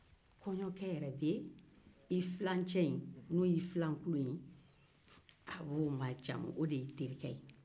kɔɲɔcɛ yɛrɛ bi filankɛ majamu